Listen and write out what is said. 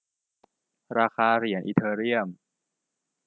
ราคาเหรียญอีเธอเรียม